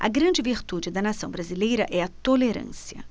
a grande virtude da nação brasileira é a tolerância